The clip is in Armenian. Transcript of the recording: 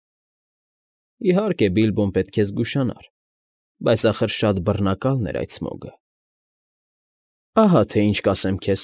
Իհարկե, Բիլբոն պետք է զգուշանար, բայց ախր շատ բռնակալն էր այդ Սմոգը։ ֊ Ահա թե քեզ ինչ կասեմ,֊